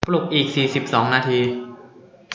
ปลุกอีกสี่สิบสองนาที